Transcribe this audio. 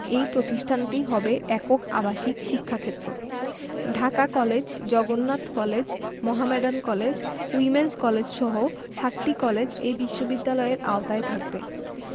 এ প্রতিষ্ঠানটি হবে একক আবাসিক শিক্ষাক্ষেত্র Dhaka college Jagannath college Mohammedan college women's কলেজসহ সাতটি কলেজ এ বিশ্ববিদ্যালয়ের আওতায় থাকবে